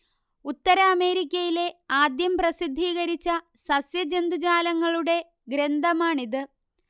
ഉത്തര അമേരിക്കയിലെ ആദ്യം പ്രസിദ്ധീകരിച്ച സസ്യ ജന്തുജാലങ്ങളുടെ ഗ്രന്ഥമാണിത്